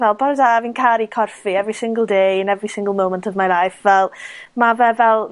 fel bore da, fi'n caru corff fi every single day and every single moment of my life fel ma' fe fel